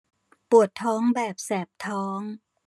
ปวดท้องแบบแสบท้อง